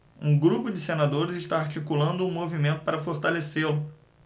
um grupo de senadores está articulando um movimento para fortalecê-lo